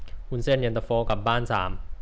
วุ้นเส้นเย็นตาโฟกลับบ้านสาม